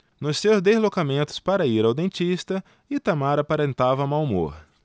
nos seus deslocamentos para ir ao dentista itamar aparentava mau humor